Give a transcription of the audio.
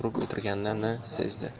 lobarning turib o'tirganini sezdi